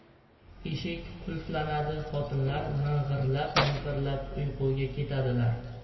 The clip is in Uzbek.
eshik qulflanadi xotinlar ming'irlab ming'irlab uyquga ketadilar